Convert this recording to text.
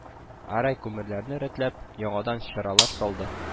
Гәрәй күмерләрне рәтләп, яңадан чыралар салды